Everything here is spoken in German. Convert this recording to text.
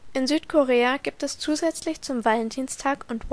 In Südkorea gibt es zusätzlich zum Valentinstag und